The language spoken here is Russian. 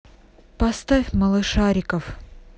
поставь малышариков